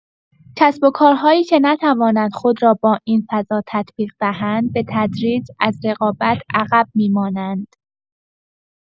کسب‌وکارهایی که نتوانند خود را با این فضا تطبیق دهند، به‌تدریج از رقابت عقب می‌مانند.